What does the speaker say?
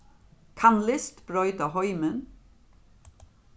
kann list broyta heimin